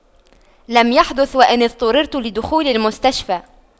لم يحدث وأن اضطررت لدخول المستشفى